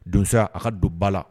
Donsoya a ka don ba la